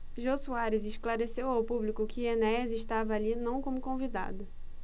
jô soares esclareceu ao público que enéas estava ali não como convidado